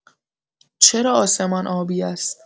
چرا آسمان آبی است؟